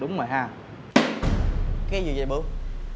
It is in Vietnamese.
đúng rồi ha cái gì vậy bửu